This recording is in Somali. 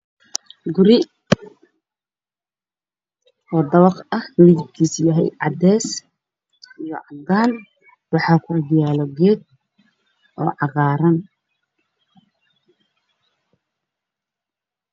Meshan waxaa iiga muuqda Guri dabaq ah midab kiisu waa cadaan